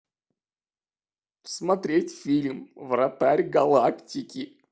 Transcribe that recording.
смотреть фильм вратарь галактики